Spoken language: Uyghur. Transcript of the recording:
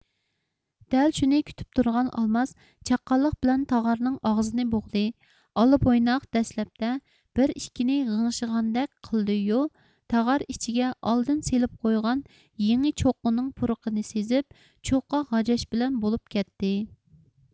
دەل شۇنى كۈتۈپ تۇرغان ئالماس چاققانلىق بىلەن تاغارنىڭ ئاغزىنى بوغدى ئالا بويناق دەسلەپتە بىر ئىككىنى غىڭشىغاندەك قىلدىيۇ تاغار ئىچىگە ئالدىن سېلىپ قويغان يېڭى چوققىنىڭ پۇرىقىنى سىزىپ چوققا غاجاش بىلەن بولۇپ كەتتى